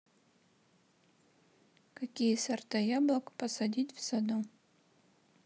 какие сорта яблок посадить в саду